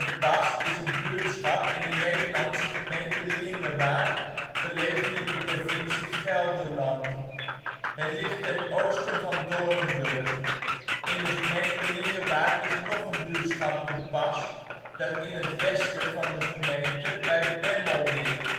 Pas is een buurtschap in de Nederlandse gemeente Lingewaard, gelegen in de provincie Gelderland. Het ligt ten oosten van Doornenburg. In de gemeente Lingewaard is nog een buurtschap de Pas dat in het westen van de gemeente bij Bemmel ligt